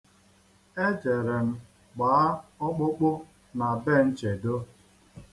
E jere m gbaa ọkpụkpụ m na be Nchedo.